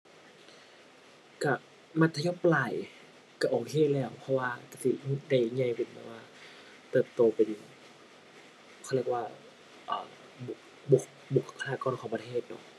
ก็มัธยมปลาย ก็โอเคเลยอะ เพราะว่าก็สิได้ใหญ่ขึ้นแบบว่าเติบโตไป เขาเรียกว่า อ่า บุก บุก บุคลากรของประเทศเนาะ